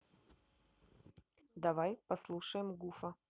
давай послушаем гуфа